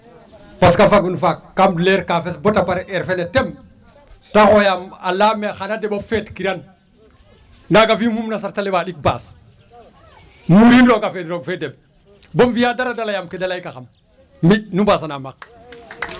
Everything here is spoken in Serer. Parce que fagun faak kaam leer kaafes ba ta pare eer fene tem ta xooyam a layaam ee xan a deɓ o feet kiran naaga fi'um xumin a sareet ale waaɗik baas murin roog a feed roog fe deɓ boom fi'aa dara da layaam ke da laykaxam mi' nu mbasanaam xaq.